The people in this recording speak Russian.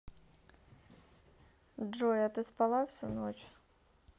джой а ты спала всю ночь